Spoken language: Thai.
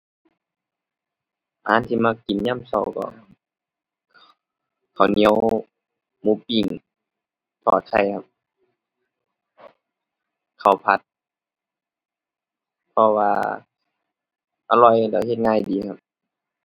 อาหารที่มักกินยามเช้าก็ ขะ ข้าวเหนียว หมูปิ้ง ทอดไข่ครับ ข้าวผัด เพราะว่าอร่อย แล้วเฮ็ดง่ายดีครับ